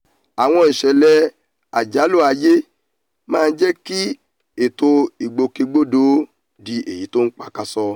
Àwọn ìṣẹ̀lẹ̀ àjálù ayé ma ń jẹ́kí ètò ìgbòkè-gbodò di èyi tí ó pakasọ.